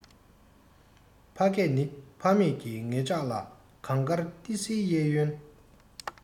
ཕ སྐད ནི ཕ མེས ཀྱིས ངེད ཅག ལ གངས དཀར ཏི སིའི གཡས གཡོན